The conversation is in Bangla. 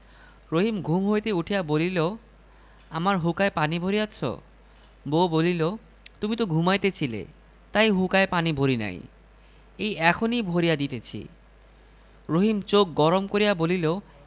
সে চিৎকার করিয়া উঠিল ওরে শয়তানী এমন মাছটা তুই নিজে ব্রাধিয়া খাইয়া আমার জন্য রাখিয়াছিস্ মরিচ পোড়া আর ভাত